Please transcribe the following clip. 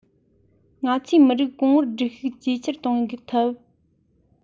ང ཚོའི མི རིགས གོང བུར སྒྲིལ ཤུགས ཇེ ཆེར གཏོང ཐུབ